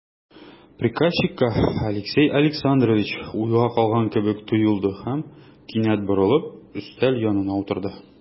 Приказчикка Алексей Александрович уйга калган кебек тоелды һәм, кинәт борылып, өстәл янына утырды.